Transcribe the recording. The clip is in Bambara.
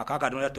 K' ka dun to